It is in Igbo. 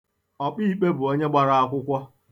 Ọkpọike bụ onye gbara akwụkwọ.